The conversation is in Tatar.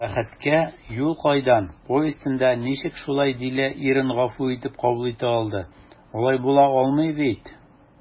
«бәхеткә юл кайдан» повестенда ничек шулай дилә ирен гафу итеп кабул итә алды, алай була алмый бит?»